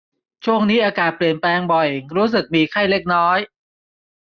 ช่วงนี้อากาศเปลี่ยนแปลงบ่อยรู้สึกมีไข้เล็กน้อย